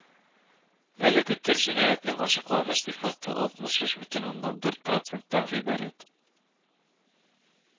Әлеге төр җинаятьнең ачыкланыш сыйфаты алтмыш өч бөтен уннан дүрт проценттан гыйбарәт